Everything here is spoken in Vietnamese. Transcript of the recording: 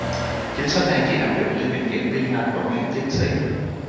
chính sách này chỉ áp dụng cho những giảng viên làm luận án tiến sĩ